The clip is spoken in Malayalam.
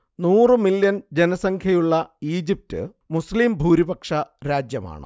നൂറ് മില്യൺ ജനസംഖ്യയുള്ള ഈജിപ്ത് മുസ്ലിം ഭൂരിപക്ഷ രാജ്യമാണ്